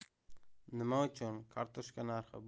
nima uchun kartoshka narxi